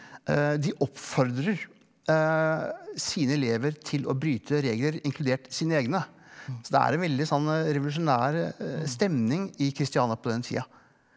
de oppfordrer sine elever til å bryte regler inkludert sine egne, så det er en veldig sånn revolusjonær stemning i Kristiania på den tida.